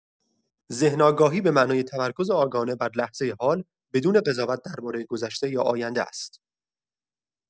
ذهن‌آگاهی به معنای تمرکز آگاهانه بر لحظۀ حال، بدون قضاوت دربارۀ گذشته یا آینده است.